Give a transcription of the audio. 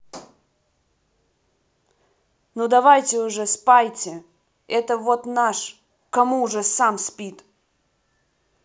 ну давайте уже спайте это вот наш кому уже сам спит